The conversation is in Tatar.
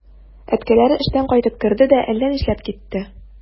Әткәләре эштән кайтып керде дә әллә нишләп китте.